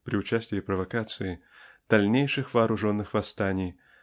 (при участии провокации!) дальнейших вооруженных восстаний